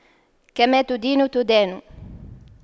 كما تدين تدان